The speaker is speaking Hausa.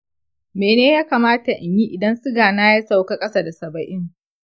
mene yakamata inyi idan siga na ya sauka ƙasa da saba'in?